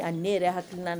A ne yɛrɛ hakiliina